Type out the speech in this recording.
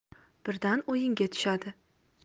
birdan o'yinga tushadi